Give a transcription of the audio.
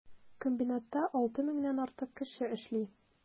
Комбинатта 6 меңнән артык кеше эшли.